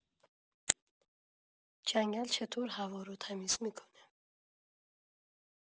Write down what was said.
جنگل چطور هوا رو تمیز می‌کنه؟